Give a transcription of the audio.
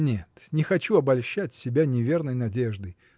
Нет, не хочу обольщать себя неверной надеждой!